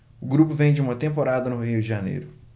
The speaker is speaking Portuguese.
o grupo vem de uma temporada no rio de janeiro